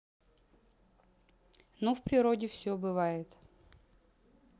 ну в природе все бывает